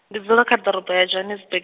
ndi dzula kha ḓorobo ya Johannesburg.